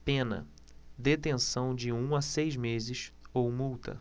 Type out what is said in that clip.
pena detenção de um a seis meses ou multa